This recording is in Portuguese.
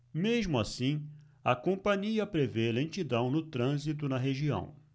mesmo assim a companhia prevê lentidão no trânsito na região